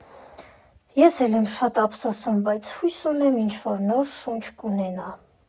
Ես էլ եմ շատ ափսոսում, բայց հույս ունեմ՝ ինչ֊որ նոր շունչ կունենա։